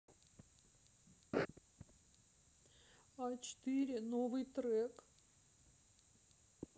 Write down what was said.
а четыре новый трек